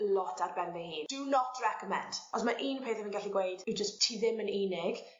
lot ar ben fy hun. Do not recommend os ma' un peth 'yf fi'n gallu gweud yw jyst ti ddim yn unig